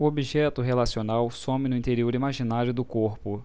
o objeto relacional some no interior imaginário do corpo